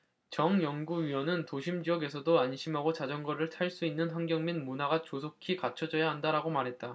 정 연구위원은 도심지역에서도 안심하고 자전거를 탈 수 있는 환경 및 문화가 조속히 갖춰줘야 한다라고 말했다